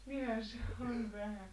niinhän se on vähän